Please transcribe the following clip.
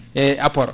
eyyi apport